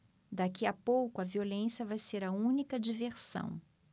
daqui a pouco a violência vai ser a única diversão